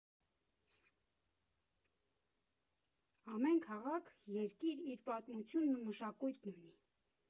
Ամեն քաղաք, երկիր իր պատմությունն ու մշակույթն ունի։